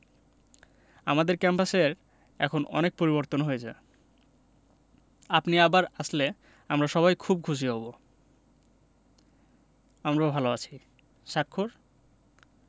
আমাদের ক্যাম্পাসের এখন অনেক পরিবর্তন হয়েছে আপনি আবার আসলে আমরা সবাই খুব খুশি হব আমরা ভালো আছি স্বাক্ষর